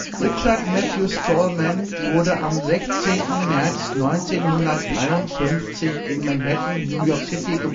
Richard Matthew Stallman (* 16. März 1953 in Manhattan, New York City